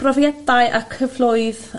brofiadau a cyfloedd